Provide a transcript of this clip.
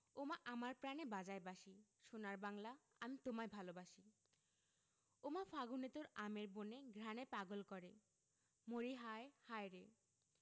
ওমা আমার প্রানে বাজায় বাঁশি সোনার বাংলা আমি তোমায় ভালোবাসি ওমা ফাগুনে তোর আমের বনে ঘ্রাণে পাগল করে মরিহায় হায়রে